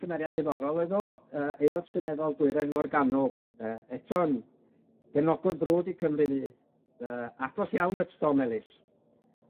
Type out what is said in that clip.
cymeriad diddorol oedd o yy Aelod Seneddol Dwyrain Morgannwg yy eto'n gefnogwr brwd i Cymru Fydd, yy agos iawn at Tom Ellis.